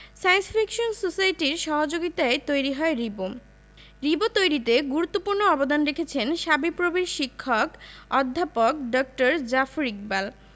science fiction সোসাইটির সহযোগিতায়ই তৈরি হয় রিবো রিবো তৈরিতে গুরুত্বপূর্ণ অবদান রেখেছেন শাবিপ্রবির শিক্ষক অধ্যাপক ড জাফর ইকবাল